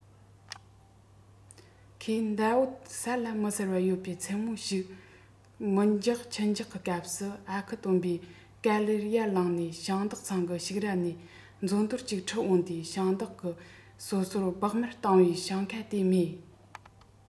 ཁོས ཟླ འོད གསལ ལ མི གསལ ཡོད པའི མཚན མོ ཞིག གི མི འཇགས ཁྱི འཇགས ཀྱི སྐབས སུ ཨ ཁུ སྟོན པས ག ལེར ཡར ལངས ནས ཞིང བདག ཚང གི ཕྱུགས ར ནས མཛོ དོར གཅིག ཁྲིད ཡོང སྟེ ཞིང བདག གིས སོ སོར བོགས མར བཏང བའི ཞིང ཁ དེ རྨོས